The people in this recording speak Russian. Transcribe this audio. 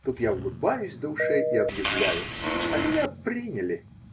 Тут я улыбаюсь до ушей и объявляю: -- А меня приняли!